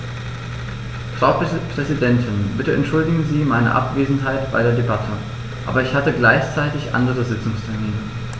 Frau Präsidentin, bitte entschuldigen Sie meine Abwesenheit bei der Debatte, aber ich hatte gleichzeitig andere Sitzungstermine.